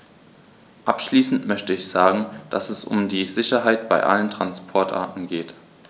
Abschließend möchte ich sagen, dass es um die Sicherheit bei allen Transportarten geht.